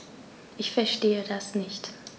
Ich verstehe das nicht.